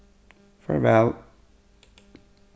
farvæl